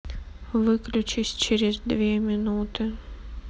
выключись через две минуты